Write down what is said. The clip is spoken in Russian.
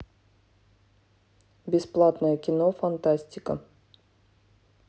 бесплатное кино фантастика